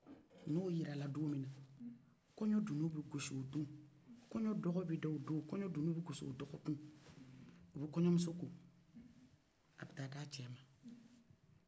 n'o yirila dɔmi kɔɲɔ dunun bɛ goss'o do kɔɲɔn dɔgɔ bɛ da o don kɔɲɔn dunun bɛ kossi o dɔgɔ kun o bɛ kɔɲɔn muso ko a bɛ ta di a cɛ man